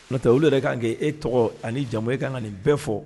N'o tɛ olu yɛrɛ ka kan kɛ e tɔgɔ ani jamu e ka kan ka nin bɛɛ fɔ